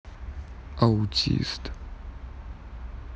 аутист